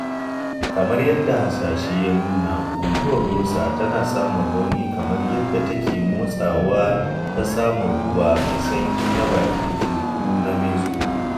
Kamar yadda hasashe ya nuna, Guguwar Rosa tana samun rauni kamar yadda take motsawa ta saman ruwa mai sanyi na bakin teku na Mexico.